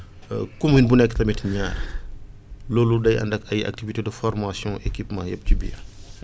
commune bu nekk tamit ñaar loolu day ànd ak ay activités de formation équipement yëpp ci biir